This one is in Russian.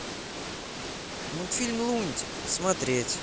мультфильм лунтик смотреть